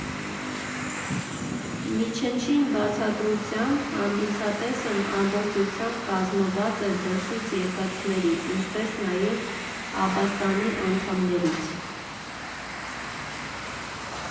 Մի չնչին բացառությամբ՝ հանդիսատեսն ամբողջությամբ կազմված էր դրսից եկածներից, ինչպես նաև Աբաստանի անդամներից։